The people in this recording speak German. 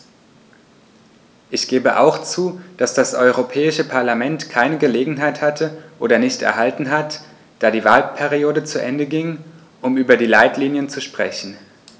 Ich gebe auch zu, dass das Europäische Parlament keine Gelegenheit hatte - oder nicht erhalten hat, da die Wahlperiode zu Ende ging -, um über die Leitlinien zu sprechen.